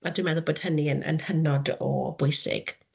A dwi'n meddwl bod hynny yn yn hynod o bwysig.